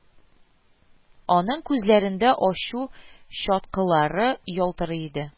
Аның күзләрендә ачу чаткылары ялтырый иде